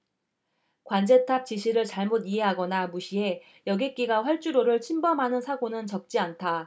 관제탑 지시를 잘못 이해하거나 무시해 여객기가 활주로를 침범하는 사고는 적지 않다